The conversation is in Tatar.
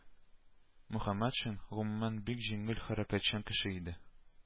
Мөхәммәтшин гомумән бик җиңел, хәрәкәтчән кеше иде